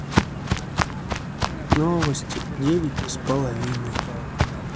новости девять с половиной